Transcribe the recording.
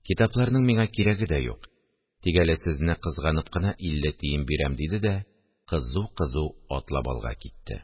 – китапларның миңа кирәге дә юк, тик әле сезне кызганып кына илле тиен бирәм, – диде дә кызу-кызу атлап алга китте